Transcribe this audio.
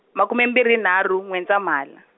makume mbirhi nharhu N'wendzamhala.